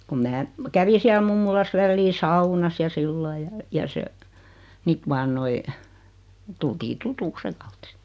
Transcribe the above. kun minä kävin siellä mummolassa väliin saunassa ja sillä lailla ja ja se sitten vain noin tultiin tutuksi sen kautta siitä